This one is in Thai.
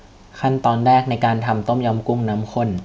ขั้นตอนแรกในการทำต้มยำกุ้งน้ำข้น